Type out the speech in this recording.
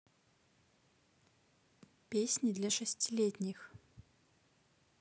песни для шестилетних